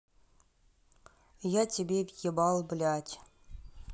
я тебе въебал блять